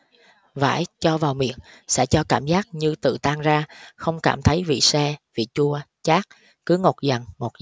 vải cho vào miệng sẽ cho cảm giác như tự tan ra không cảm thấy vị se vị chua chát cứ ngọt dần ngọt